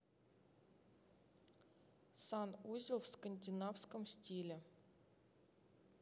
сан узел в скандинавском стиле